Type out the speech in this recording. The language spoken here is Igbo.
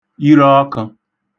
irook̇ə̄